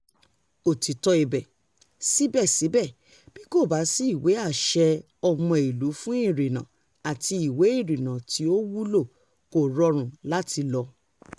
Òtítọ́ ibẹ̀, síbẹ̀síbẹ̀, bí kò bá sí ìwé-àṣẹ-ọmọìlú-fún-ìrìnnà àti ìwé ìrìnnà tí ó wúlò, kò rọrùn láti lò.